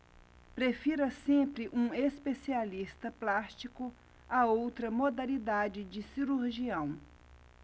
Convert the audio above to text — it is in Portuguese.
prefira sempre um especialista plástico a outra modalidade de cirurgião